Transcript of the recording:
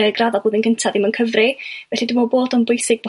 gradda' blwyddyn gynta' ddim yn cyfri felly dwi me'l bod o'n bwysig bo'